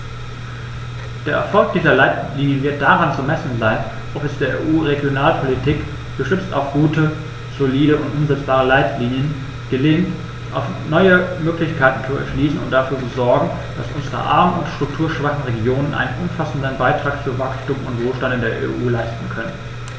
Der Erfolg dieser Leitlinien wird daran zu messen sein, ob es der EU-Regionalpolitik, gestützt auf gute, solide und umsetzbare Leitlinien, gelingt, neue Möglichkeiten zu erschließen und dafür zu sorgen, dass unsere armen und strukturschwachen Regionen einen umfassenden Beitrag zu Wachstum und Wohlstand in der EU leisten können.